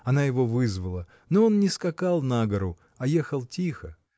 Она его вызвала, но он не скакал на гору, а ехал тихо